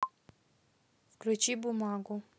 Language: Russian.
включи бумагу